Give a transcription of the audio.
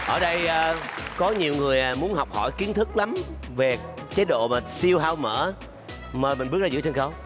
ở đây có nhiều người muốn học hỏi kiến thức lắm về về độ tiêu hao mỡ mời bạn bước ra giữa sân khấu